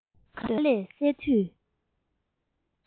ཟློས གར ལས སད དུས